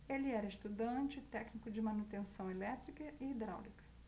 ele era estudante e técnico de manutenção elétrica e hidráulica